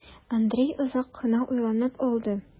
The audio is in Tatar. Андрей озак кына уйланып алды.